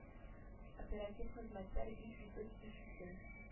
Оператив хезмәтләр бик җитез эш итә